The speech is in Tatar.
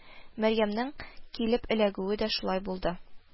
Мәрьямнең килеп эләгүе дә шулай булды